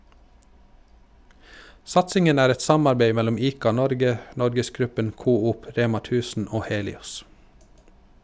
Satsingen er et samarbeid mellom ICA-Norge, NorgesGruppen, Coop, Rema 1000 og Helios.